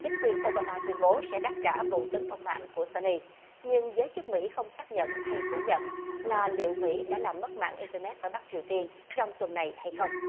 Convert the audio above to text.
chính quyền ô ba ma tuyên bố sẽ đáp trả vụ tấn công mạng của so ni nhưng giới chức mỹ không xác nhận hay phủ nhận là liệu mỹ đã làm mất mạng in tơ nét ở bắc triều tiên trong tuần này hay không